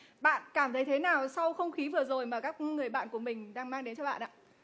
bạn cảm thấy thế nào sau không khí vừa rồi mà các người bạn của mình đang mang đến cho bạn ạ